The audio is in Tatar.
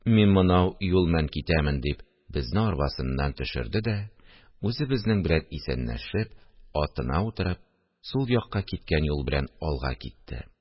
Мин монау юл мән китәмен, – дип, безне арбасыннан төшерде дә, үзе безнең белән исәнләшеп, атына утырып, сул якка киткән юл белән алга китте